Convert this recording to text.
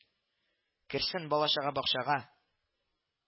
Керсен бала-чага бакчага